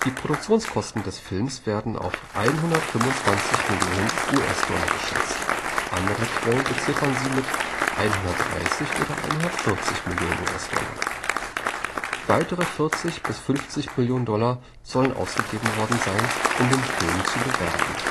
Produktionskosten des Films werden auf 125 Mio. $ geschätzt, andere Quellen beziffern sie mit 130 oder 140 Mio. $. Weitere 40 bis 50 Mio. $ sollen ausgegeben worden sein, um den Film zu bewerben